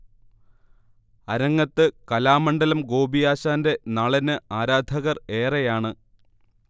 അരങ്ങത്ത് കലാമണ്ഡലം ഗോപിയാശാന്റെ നളന് ആരാധകർ ഏറെയാണ്